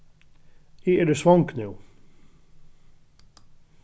eg eri svong nú